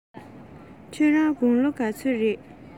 ཁྱེད རང ལོ ག ཚོད རེད